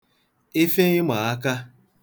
ife ịmàaka